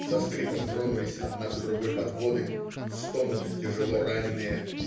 Со скрипом тронулись одна за другой подводы. Стонут тяжелораненые.